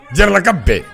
Jarala ka bɛɛ